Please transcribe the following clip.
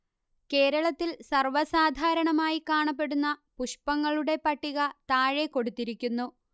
കേരളത്തിൽ സർവ്വസാധാരണമായി കാണപ്പെടുന്ന പുഷ്പങ്ങളുടെ പട്ടിക താഴെ കൊടുത്തിരിക്കുന്നു